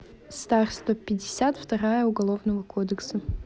star сто пятьдесят вторая уголовного кодекса